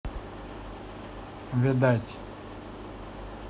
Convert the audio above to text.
видать